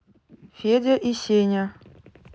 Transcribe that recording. федя и сеня